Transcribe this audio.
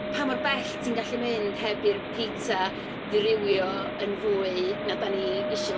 Pa mor bell ti'n gallu mynd heb i'r pitsa ddirywio yn fwy na dan ni isio fo.